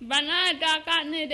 Bana da ne dɛ